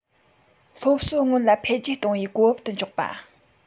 སློབ གསོ སྔོན ལ འཕེལ རྒྱས གཏོང བའི གོ བབ ཏུ འཇོག པ